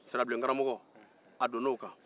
sirabilenkaramɔgɔ a donna o kan